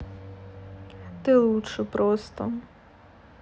ты лучше просто